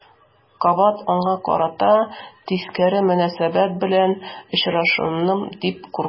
Кабат аңа карата тискәре мөнәсәбәт белән очрашырмын дип куркам.